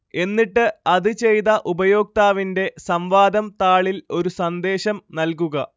എന്നിട്ട് അത് ചെയ്ത ഉപയോക്താവിന്റെ സംവാദം താളിൽ ഒരു സന്ദേശം നൽകുക